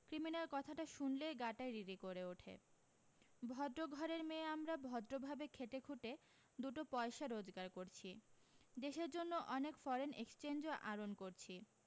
criminal কথাটা শুনলেই গাটা রিরি করে ওঠে ভদ্রঘরের মেয়ে আমরা ভদ্রভাবে খেটেখুটে দুটো পয়সা রোজগার করছি দেশের জন্য অনেক ফরেন এক্সচেঞ্জও আরণ করছি